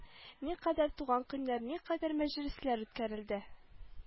Никадәр туган көннәр никадәр мәҗлесләр үткәрелде